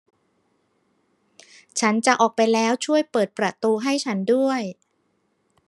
ฉันจะออกไปแล้วช่วยเปิดประตูให้ฉันด้วย